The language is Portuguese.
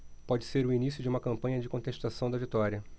pode ser o início de uma campanha de contestação da vitória